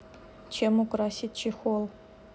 чем украсить чехол